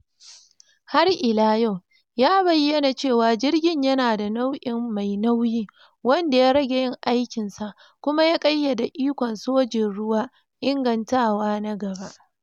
Har ila yau, ya bayyana cewa jirgin yana da nau’in mai nauyi wanda ya rage yin aikinsa kuma ya ƙayyade ikon sojin ruwa ingantawa na gaba.